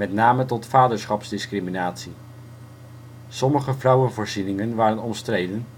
name tot vaderschapsdiscriminatie. Sommige vrouwenvoorzieningen waren omstreden